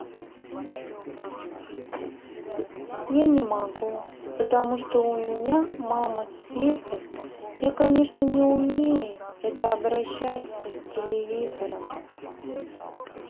я не могу потому что у меня мама светы я конечно не умею это обращаться с телевизором